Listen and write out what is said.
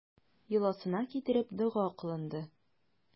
Йоласына китереп, дога кылынды.